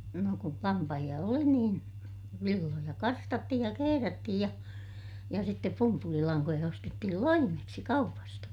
no kun lampaita oli niin villoja karstattiin ja kehrättiin ja ja sitten pumpulilankoja ostettiin loimeksi kaupasta